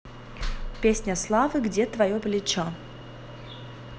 песня славы где твое плечо